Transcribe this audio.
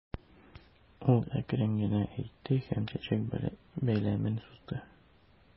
Ул әкрен генә әйтте һәм чәчәк бәйләмен сузды.